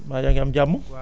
mbaa yaa ngi am jàmm